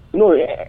N'o ye ɛɛ